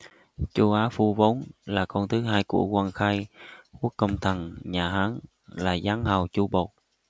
chu á phu vốn là con thứ hai của quan khai quốc công thần nhà hán là giáng hầu chu bột